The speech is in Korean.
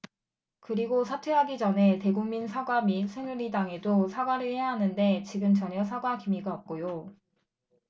그리고 사퇴하기 전에 대국민 사과 밑 새누리당에도 사과를 해야 하는데 지금 전혀 사과 기미가 없고요